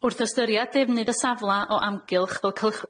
Wrth ystyried defnydd y safla o amgylch fel cylch- cy-